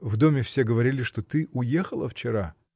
В доме все говорили, что ты уехала вчера.